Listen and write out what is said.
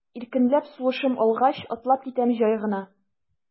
Иркенләп сулышым алгач, атлап китәм җай гына.